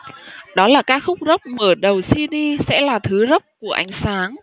đó là ca khúc rock mở đầu cd sẽ là thứ rock của ánh sáng